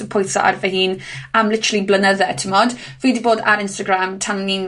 o pwyse ar fy hun am literally blynydde t'mod? Fi 'di bod ar Instagram tan o'n i'n